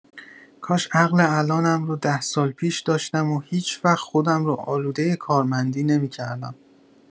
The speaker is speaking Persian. کاش عقل الانم رو ده سال پیش داشتم و هیچوقت خودم رو آلوده کارمندی نمی‌کردم.